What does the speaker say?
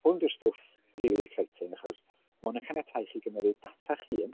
Hwn 'di'r stwff rili exciting achos ma' hwn yn caniatáu i chi gymeryd data eich hun.